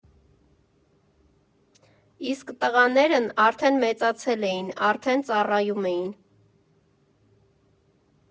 Իսկ տղաներն արդեն մեծացել էին, արդեն ծառայում էին։